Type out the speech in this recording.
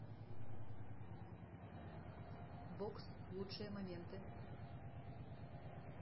бокс лучшие моменты